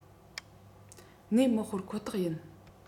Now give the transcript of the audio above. གནས མི སྤོར ཁོ ཐག ཡིན